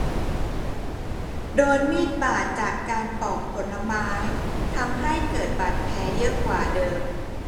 โดนมีดบาดจากการปอกผลไม้ทำให้เกิดบาดแผลเยอะกว่าเดิม